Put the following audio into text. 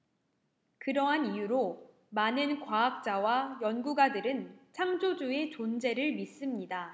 그러한 이유로 많은 과학자와 연구가들은 창조주의 존재를 믿습니다